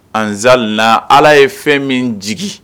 Nzsaaliina ala ye fɛn min jigi